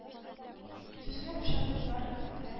Сезгә бу шатлыклар, рәхәтләр